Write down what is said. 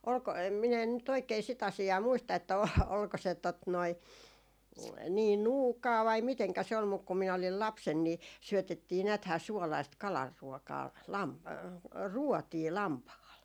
oliko minä en nyt oikein sitä asiaa muista että - oliko se tuota noin niin nuukaa vai miten se oli mutta kun minä olin lapsena niin syötettiin näethän suolaista kalanruotaa - ruotia lampaalle